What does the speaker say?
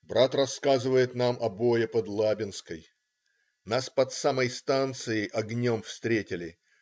Брат рассказывает нам о бое под Лабинской: "Нас под самой станицей огнем встретили.